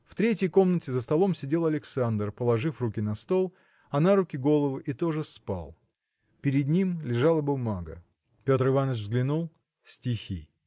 В третьей комнате за столом сидел Александр положив руки на стол а на руки голову и тоже спал. Перед ним лежала бумага. Петр Иваныч взглянул – стихи.